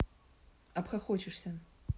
обхохочешься